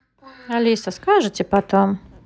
алиса скажете потом